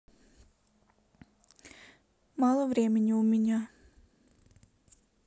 мало времени у меня